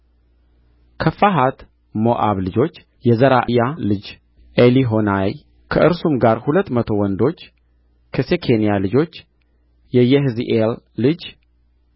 ከፋሐት ሞዓብ ልጆች የዘራእያ ልጅ ኤሊሆዔናይ ከእርሱም ጋር ሁለት መቶ ወንዶች ከሴኬንያ ልጆች የየሕዚኤል ልጅ